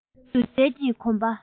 སྒྱུ རྩལ གྱི གོམ པ